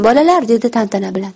bolalar dedi tantana bilan